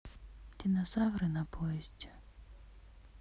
динозавры на поезде